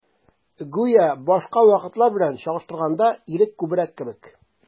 Гүя башка вакытлар белән чагыштырганда, ирек күбрәк кебек.